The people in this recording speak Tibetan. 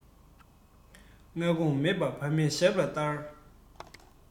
སྔ དགོང མེད པ ཕ མའི ཞབས ལ བཅར